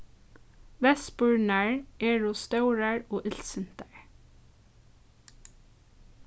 vespurnar eru stórar og illsintar